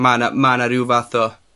...ma' 'na ma' 'na ryw fath o